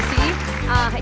à hãy